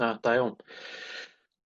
Na da iawn.